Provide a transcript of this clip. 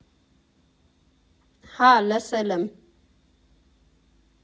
֊ Հա՜, լսել եմ.